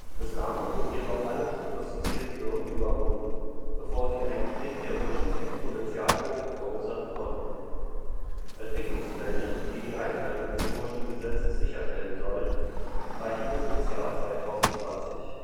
Bislang wurden jedoch alle prognostizierten Hürden überwunden, bevor sie einen Knick der mooreschen Exponentialkurve verursachen konnten. Entwicklungspläne, die die Einhaltung des mooreschen Gesetzes sicherstellen sollen, reichen bis ins Jahr 2020